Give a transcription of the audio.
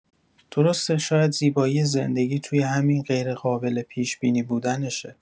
درسته، شاید زیبایی زندگی توی همین غیرقابل پیش‌بینی بودنشه.